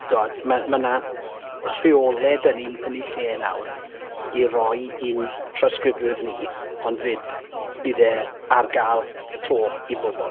Tibod ma' ma' 'na rheolau 'da ni yn eu lle nawr i roi i'n trawsgrifwyr ni ond 'fyd bydd e ar gael 'to i bobl.